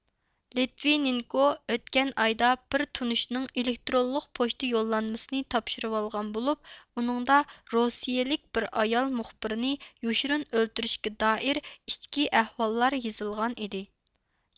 لىتۋىنېنكو ئۆتكەن ئايدا بىر تونۇشىنىڭ ئېلېكترونلۇق پوچتا يوللانمىسىنى تاپشۇرۇۋالغان بولۇپ ئۇنىڭدا رۇسىيىلىك بىر ئايال مۇخبىرنى يوشۇرۇن ئۆلتۈرۈشكە دائىر ئىچكى ئەھۋاللار يېزىلغان ئىدى